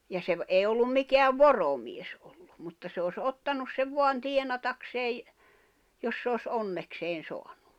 ja se - ei ollut mikään voromies ollut mutta se olisi ottanut sen vain tienatakseen jos se olisi onnekseen saanut